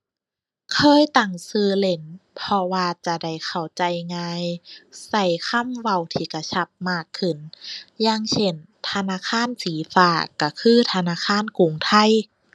เคยตั้งชื่อเล่นเพราะว่าจะได้เข้าใจง่าย ชื่อคำเว้าที่กระชับมากขึ้น อย่างเช่น ธนาคารสีฟ้าชื่อคือธนาคารกรุงไทย